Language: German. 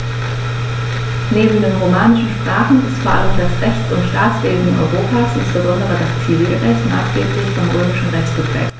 Neben den romanischen Sprachen ist vor allem das Rechts- und Staatswesen Europas, insbesondere das Zivilrecht, maßgeblich vom Römischen Recht geprägt.